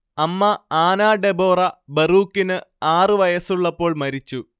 അമ്മ Ana Deborah ബറൂക്കിന് ആറുവയസ്സുള്ളപ്പോൾ മരിച്ചു